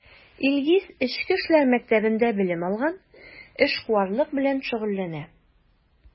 Илгиз Эчке эшләр мәктәбендә белем алган, эшкуарлык белән шөгыльләнә.